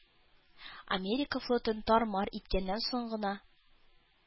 Америка флотын тар-мар иткәннән соң гына